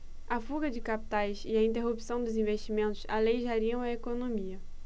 a fuga de capitais e a interrupção dos investimentos aleijariam a economia